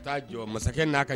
U taa jɔ masakɛ n'a ka